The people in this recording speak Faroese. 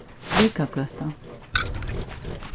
blikagøta